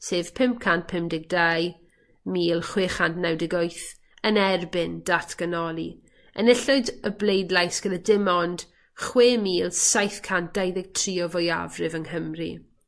sef pum cant pum deg dau mil chwe chant naw deg wyth yn erbyn datganoli enillwyd y bleidlais gyda dim ond chwe mil saith cant dau ddeg tri o fwyafrif yng Nghymru.